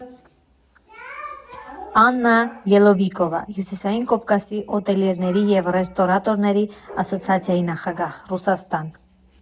Աննա Ելովիկովա, Հյուսիսային Կովկասի օտելյերների և ռեստորատորների ասոցիացիայի նախագահ, Ռուսաստան։